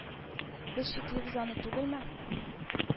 Без чиклибез аны түгелме?!